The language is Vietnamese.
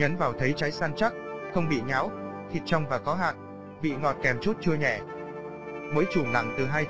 ấn vào thấy trái săn chắc không bị nhão thịt trong và có hạt vị ngọt kèm chút chua nhẹ mỗi chùm nặng từ g